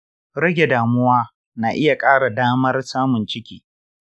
rage damuwa na iya ƙara damar samun ciki.